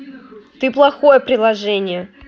ты плохое приложение